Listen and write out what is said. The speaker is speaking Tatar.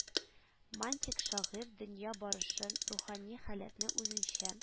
Мантик шагыйрь дөнья барышын, рухани халәтне үзенчә